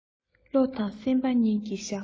བློ དང སེམས པ གཉིས ཀྱི བཞག ས ལ